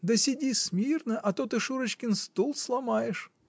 Да сиди смирно, а то ты Шурочкин стул сломаешь.